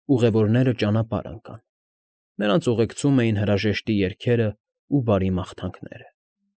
Ուղևորները ճանապարհ ընկան, նրանց ուղեկցում էին հրաժեշտի երգերն ու բարի մաղթանքները։